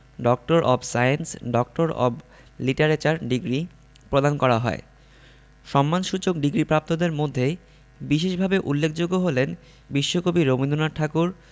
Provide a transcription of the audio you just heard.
doctor of science doctor of literature degree প্রদান করা হয় সম্মানসূচক ডিগ্রিপ্রাপ্তদের মধ্যে বিশেষভাবে উল্লেখযোগ্য হলেন বিশ্বকবি রবীন্দ্রনাথ ঠাকুর